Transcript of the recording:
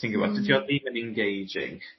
Ti'n gwbod dydi o ddim yn engaging.